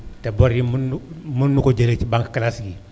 te bor yi mënuñ mënuñu ko jëlee ci banques classiques yi